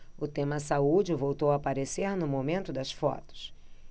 o tema saúde voltou a aparecer no momento das fotos